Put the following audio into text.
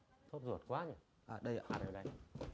sốt ruột quá à đây rồi